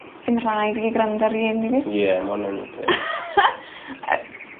sdim rhaid i fi gwrando ar rieni fi. Ie ma' wnna'n un peth.